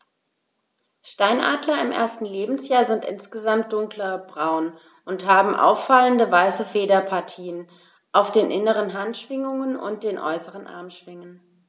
Steinadler im ersten Lebensjahr sind insgesamt dunkler braun und haben auffallende, weiße Federpartien auf den inneren Handschwingen und den äußeren Armschwingen.